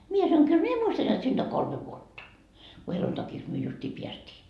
minä sanoin kyllä minä muistan jotta siitä on kolme vuotta kun helluntaiksi me justiin päästiin